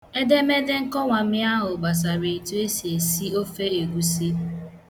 Edemede nkọwami ahụ gbasara etu esi esi ofe egwusi.